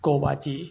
โกวาจี